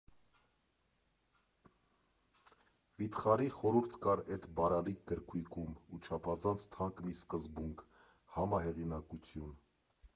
Վիթխարի խորհուրդ կար էդ բարալիկ գրքույկում ու չափազանց թանկ մի սկզբունք՝ համահեղինակություն։